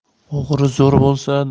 o'g'ri zo'r bo'lsa